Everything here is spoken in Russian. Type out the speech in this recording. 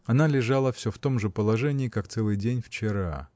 Она лежала всё в том же положении, как целый день вчера.